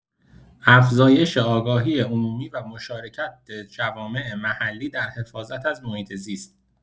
افزایش آگاهی عمومی و مشارکت جوامع محلی در حفاظت از محیط‌زیست